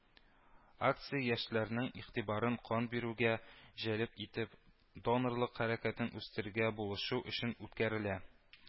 Акция яшьләрнең игътибарын кан бирүгә җәлеп итеп, донорлык хәрәкәтен үстерергә булышу өчен үткәрелә